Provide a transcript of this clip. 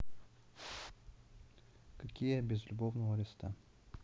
какие безлюбовного листа